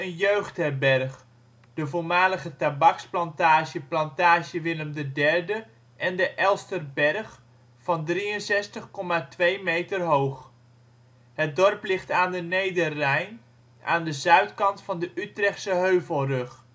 jeugdherberg, de voormalige tabaksplantage Plantage Willem III en de Elsterberg van 63,2 meter hoog. Het dorp ligt aan de Nederrijn, aan de zuidkant van de Utrechtse Heuvelrug